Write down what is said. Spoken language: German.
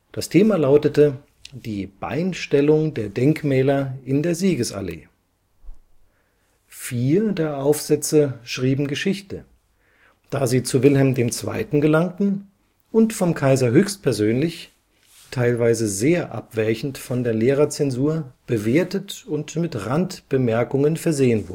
Das Thema lautete: Die Beinstellung der Denkmäler in der Siegesallee. Vier dieser Aufsätze schrieben Geschichte, da sie zu Wilhelm II. gelangten und vom Kaiser höchstpersönlich – teilweise sehr abweichend von der Lehrerzensur – bewertet und mit Randbemerkungen versehen